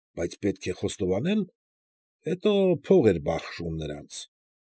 Բայց պետք է խոստովանել, հետո փող էր բաշխում նրանց։